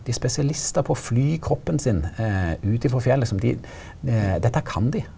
dei er spesialistar på å fly kroppen sin ut ifrå fjellet som dei dette kan dei.